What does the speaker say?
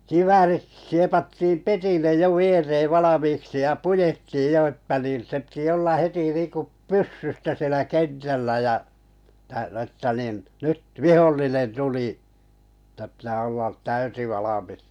kiväärit siepattiin pedille jo viereen valmiiksi ja puettiin jo että niin se piti olla heti niin kuin pyssystä siellä kentällä ja - että niin nyt vihollinen tuli että pitää olla täysivalmis